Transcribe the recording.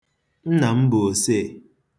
Nna m bụ osee.